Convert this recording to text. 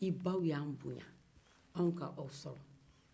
i baw y'anw bonya an ka aw sɔrɔ